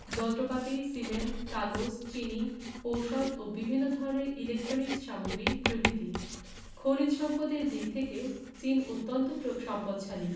যন্ত্রপাতি সিমেন্ট কাগজ চিনি ঔষধ ও বিভিন্ন ধরনের ইলেকট্রনিক্স সামগ্রী প্রভ্রিতি খনিজ সম্পদের দিক থেকেও চীন অত্যন্ত সম্পদশালী